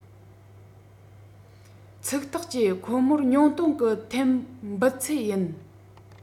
ཚིག ཐག བཅད ཁོ མར ཉུང གཏོང གི ཐཱན འབུད ཚད ཡིན